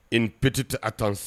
une petite